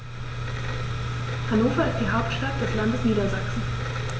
Hannover ist die Hauptstadt des Landes Niedersachsen.